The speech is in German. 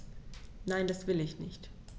Nein, das will ich nicht.